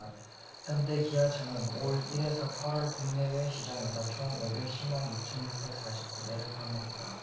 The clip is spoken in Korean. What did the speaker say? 현대 기아차는 올 일 에서 팔 월 국내외 시장에서 총 오백 십 만 이 천 육백 사십 구 대를 판매했다